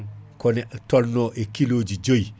kono e tolno e kiloji joyyi